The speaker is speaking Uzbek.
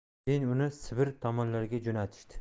keyin uni sibir tomonlarga jo'natishdi